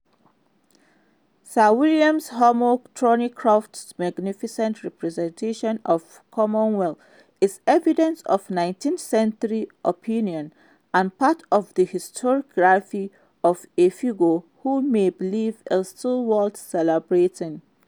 Sir William Hamo Thorneycroft's magnificent representation of Cromwell is evidence of 19th century opinion and part of the historiography of a figure who many believe is still worth celebrating.